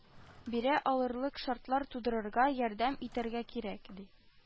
Бирә алырлык шартлар тудырырга, ярдәм итәргә кирәк, ди